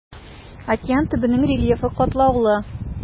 Океан төбенең рельефы катлаулы.